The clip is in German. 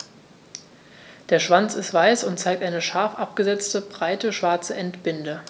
Der Schwanz ist weiß und zeigt eine scharf abgesetzte, breite schwarze Endbinde.